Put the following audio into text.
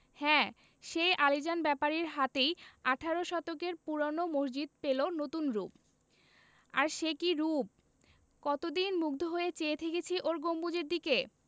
হ্যাঁ সেই আলীজান ব্যাপারীর হাতেই আঠারো শতকের পুরোনো মসজিদ পেলো নতুন রুপ আর সে কি রুপ কতদিন মুগ্ধ হয়ে চেয়ে থেকেছি ওর গম্বুজের দিকে